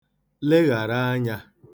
leghàra anyā